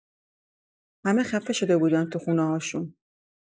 همه خفه شده بودن تو خونه‌هاشون.